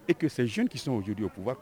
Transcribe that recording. E kasanzkisɛsɔn o jo ye